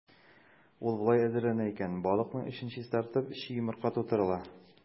Ул болай әзерләнә икән: балыкның эчен чистартып, чи йомырка тутырыла.